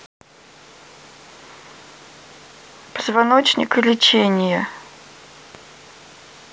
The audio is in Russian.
позвоночник и лечение